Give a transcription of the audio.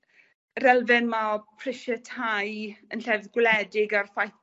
yr elfen 'ma o prise tai yn llefydd gwledig a'r ffaith